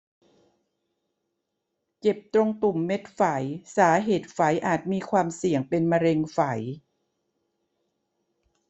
เจ็บตรงตุ่มเม็ดไฝสาเหตุไฝอาจมีความเสี่ยงเป็นมะเร็งไฝ